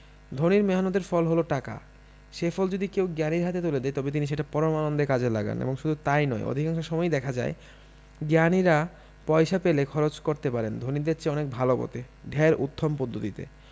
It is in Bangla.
ধনীর মেহন্নতের ফল হল টাকা সে ফল যদি কেউ জ্ঞানীর হাতে তুলে দেয় তবে তিনি সেটা পরমানন্দে কাজে লাগান এবং শুধু তাই নয় অধিকাংশ সময়েই দেখা যায় জ্ঞানীরা পয়সা পেলে খরচ করতে পারেন ধনীদের চেয়ে অনেক ভালো পথে ঢের উত্তম পদ্ধতিতে